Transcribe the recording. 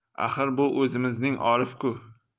axir bu o'zimizning orif ku